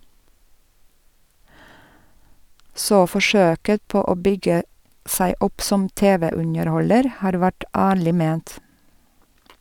Så forsøket på å bygge seg opp som TV-underholder har vært ærlig ment.